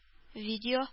Видео